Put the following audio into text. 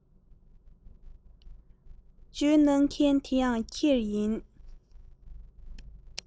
བསྩོལ གནང མཁན དེ ཡང ཁྱེད ཡིན